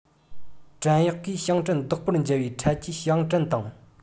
བྲན གཡོག གིས ཞིང བྲན བདག པོར འཇལ བའི ཁྲལ གྱིས ཞིང བྲན དང